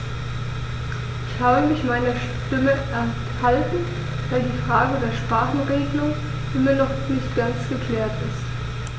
Ich habe mich meiner Stimme enthalten, weil die Frage der Sprachenregelung immer noch nicht ganz geklärt ist.